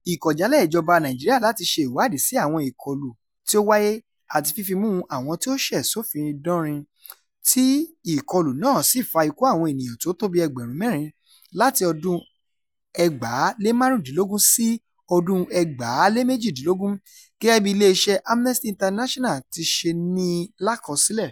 Ìkọ̀jálẹ́ ìjọba Nàìjíríà láti ṣe ìwádìí sí àwọn ìkọlù tí ó ń wáyé àti "fífimú àwọn tí ó ṣẹ̀ sófin dánrin", tí ìkọlù náà sì fa ikú àwọn ènìyàn tí ó tó bíi ẹgbẹ̀rún 4 láti ọdún-un 2015 sí 2018, gẹ́gẹ́ bí iléeṣẹ́ Amnesty International ti ṣe ní i lákọsílẹ̀.